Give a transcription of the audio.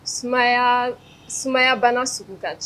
Sumaya sumaya banan sugu ka ca